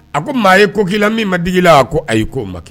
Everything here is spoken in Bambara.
A ko maa ye ko k'ila min ma di la a ko ayi ye ko ma kɛ